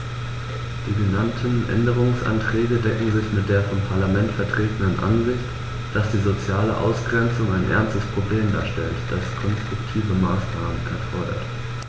Die genannten Änderungsanträge decken sich mit der vom Parlament vertretenen Ansicht, dass die soziale Ausgrenzung ein ernstes Problem darstellt, das konstruktive Maßnahmen erfordert.